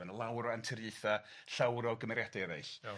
Ma' 'na lawer o anturiaetha llawer o gymeriade eraill. Iawn.